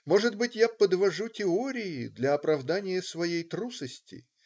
Может быть, я "подвожу теории" для оправдания своей трусости?.